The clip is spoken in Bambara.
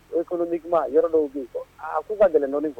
Economiquement yɔrɔ dɔw bɛ yen a ko ka gɛlɛn ɔɔnin quoi